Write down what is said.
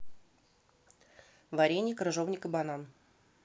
варенье крыжовник и банан